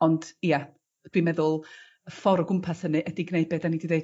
Ond ia dwi'n meddwl y ffor o gwmpas hynny ydi gneud be' 'dan ni di deud